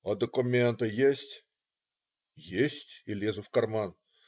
"А документы есть?" "Есть",- и лезу в карман.